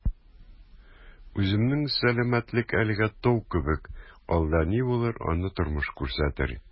Үземнең сәламәтлек әлегә «тау» кебек, алда ни булыр - аны тормыш күрсәтер...